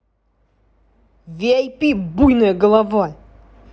vip буйная голова